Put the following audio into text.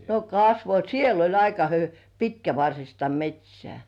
no kasvoi siellä oli aika - pitkävartista metsää